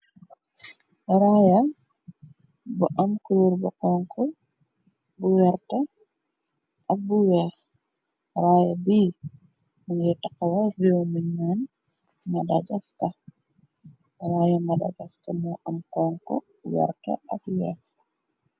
Rayeh bu am kulor bu xonxu, bu werta ak bu wèèx. Rayeh bi mugeh taxaw wal reewu buñ nan Madagaskar. Rayeh Madagaskar mó am xonxu, werta ak wèèx.